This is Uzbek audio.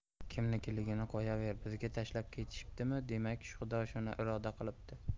kimnikiligini qo'yaver bizga tashlab ketishibdimi demak xudo shuni iroda qilibdi